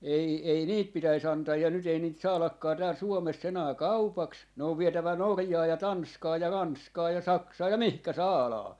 ei ei niitä pitäisi antaa ja nyt ei niitä saadakaan täällä Suomessa enää kaupaksi ne on vietävä Norjaan ja Tanskaan ja Ranskaan ja Saksaan ja mihin saadaan